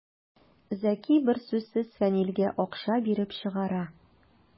Зәки бер сүзсез Фәнилгә акча биреп чыгара.